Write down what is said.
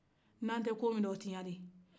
n'an tɛ ko minna o tiɲalen